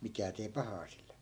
mikään tee pahaa sille